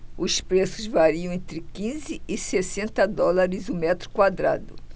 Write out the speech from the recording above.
os preços variam entre quinze e sessenta dólares o metro quadrado